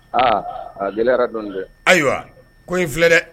Aa a gɛlɛyayara dɔn tɛ ayiwa ko in filɛ dɛ